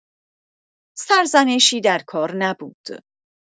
سرزنشی در کار نبود.